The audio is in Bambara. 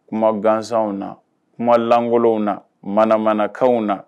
Kuma gansanw na, kuma langolow na, manamana kanw na